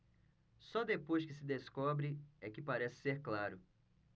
só depois que se descobre é que parece ser claro